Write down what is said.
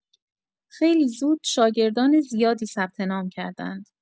خیلی زود، شاگردان زیادی ثبت‌نام کردند.